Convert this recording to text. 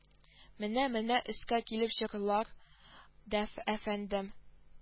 Менә-менә өскә килеп чыгрлар да әф әфәндем